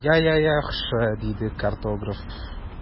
Я, я, яхшы! - диде карт граф.